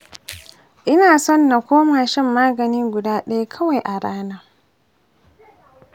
ina son na koma shan magani guda ɗaya kawai a rana.